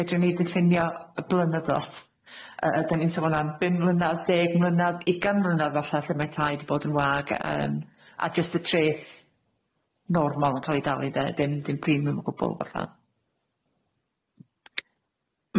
Fedrwn ni ddiffinio y blynyddodd yy ydyn ni'n sôn am bum mlynadd, deg mlynadd, ugain mlynadd falla lle ma' tai wedi bod yn wag yym a jyst y treth normal yn ca'l 'i dalu 'de dim dim primiwn o gwbwl falla.